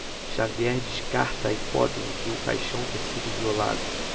xavier descarta a hipótese de o caixão ter sido violado